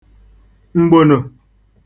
m̀gbònò